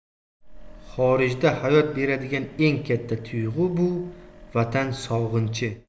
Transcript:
xorijda hayot beradigan eng katta tuyg'u bu vatan sog'inchi